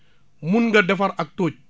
mun nga defar ag tóoj